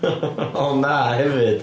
O na, hefyd.